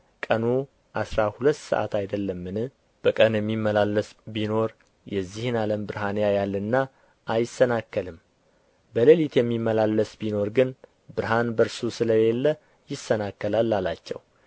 ቀኑ አሥራ ሁለት ሰዓት አይደለምን በቀን የሚመላለስ ቢኖር የዚህን ዓለም ብርሃን ያያልና አይሰናከልም በሌሊት የሚመላለስ ቢኖር ግን ብርሃን በእርሱ ስለ ሌለ ይሰናከላል አላቸው